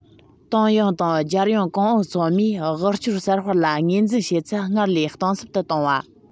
ཏང ཡོངས དང རྒྱལ ཡོངས གོང འོག ཚང མས དབུལ སྐྱོར གསར སྤེལ ལ ངོས འཛིན བྱེད ཚད སྔར ལས གཏིང ཟབ ཏུ བཏང བ